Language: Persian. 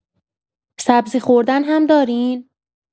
سبزی‌خوردن هم دارین؟